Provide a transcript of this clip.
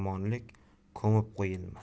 yomonlik ko'mib qo'yilmas